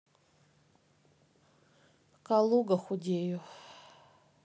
калуга худею